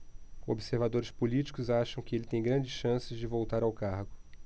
observadores políticos acham que ele tem grandes chances de voltar ao cargo